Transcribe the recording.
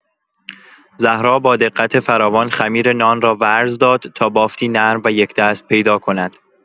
زهرا با دقت فراوان خمیر نان را ورز داد تا بافتی نرم و یکدست پیدا کند.